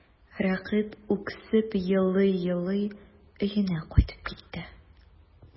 Рәкыйп үксеп елый-елый өенә кайтып китте.